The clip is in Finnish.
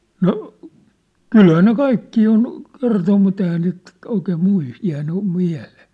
no kyllähän ne kaikkia on kertonut mutta eihän niitä oikein - jäänyt mieleen